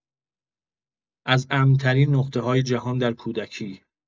از امن‌ترین نقطه‌های جهان در کودکی